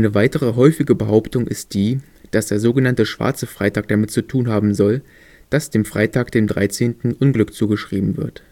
weitere häufige Behauptung ist die, dass der sogenannte „ schwarze Freitag “damit zu tun haben soll, dass dem Freitag, dem 13. Unglück zugeschrieben wird